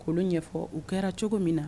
Kolon ɲɛfɔ u kɛra cogo min na